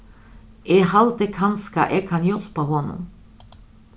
eg haldi kanska eg kann hjálpa honum